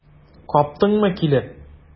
Каптыңмы килеп?